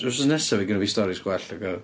Wythnos nesa fydd gynna fi storis gwell ocê.